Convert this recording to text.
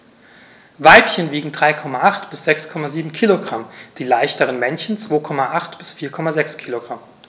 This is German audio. Weibchen wiegen 3,8 bis 6,7 kg, die leichteren Männchen 2,8 bis 4,6 kg.